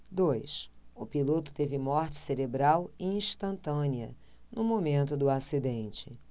dois o piloto teve morte cerebral instantânea no momento do acidente